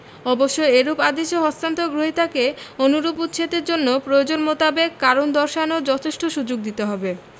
অবশ্য এরূপ আদেশের হস্তান্তর গ্রহীতাকে অনুরূপ উচ্ছেদের জন্য প্রয়োজন মোতাবেক কারণ দর্শানোর যথেষ্ট সুযোগ দিতে হবে